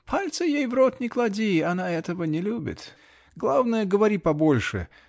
Пальца ей в рот не клади -- она этого не любит. Главное, говори побольше.